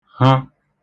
ha